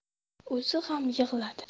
o'zi ham yig'ladi